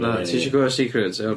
Na, ti isio clŵad secrets iawn?